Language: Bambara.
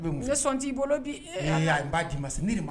Ne sɔn ti bolo bi . Ee a ba di ma . Ne de ma fɔ wa?